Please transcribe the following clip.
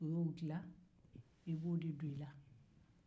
u b'o dila i b'o de don i la